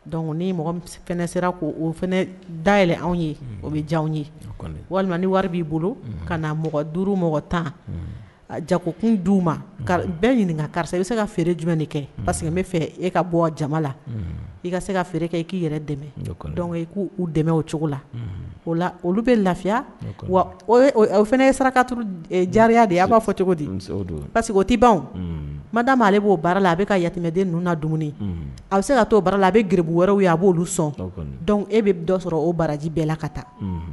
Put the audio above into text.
Dɔnku ni sera ko da yɛlɛ anw ye o bɛ ja ye walima ni wari b'i bolo ka mɔgɔ duuru mɔgɔ tan jagokun di ma bɛɛ ɲini karisa i bɛ se ka feere jumɛn kɛ parceseke bɛ fɛ e ka bɔ jama la i ka se ka feere kɛ i k'i yɛrɛ dɛmɛ k' u dɛmɛ o cogo la o la olu bɛ lafiya wa o fana ye saraka jariya de ye an b'a fɔ cogo di pa que o tɛ dda ma ale b'o baara la a bɛ ka yamɛden ninnu na dumuni a bɛ se ka to baara la a bɛ gbu wɛrɛw ye a b'oolu sɔn e bɛ dɔ sɔrɔ o baraji bɛɛ la ka taa